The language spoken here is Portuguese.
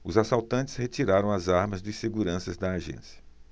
os assaltantes retiraram as armas dos seguranças da agência